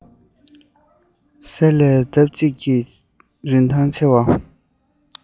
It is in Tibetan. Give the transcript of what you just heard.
གསེར ལས ལྡབ གཅིག གིས རིན ཐང ཆེ བར